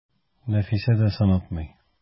Нәфисә дә сынатмый.